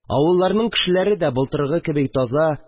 Авылларның кешеләре дә былтыргы кеби таза